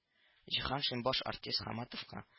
Җиһаншин баш артист Хамматовка: